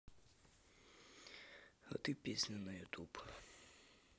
а ты песня на ютуб